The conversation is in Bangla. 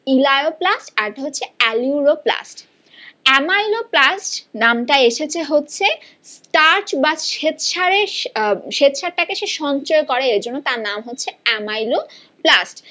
ইলায়োপ্লাস্ট আর একটা হচ্ছে অ্যালিউরোপ্লাস্ট এমাইলোপ্লাস্ট নামটা এসেছে হচ্ছে স্টার্চ বা শ্বেতসারের শ্বেতসার টাকে সে সঞ্চয় করে এজন্য তার নাম হচ্ছে এমাইলোপ্লাস্ট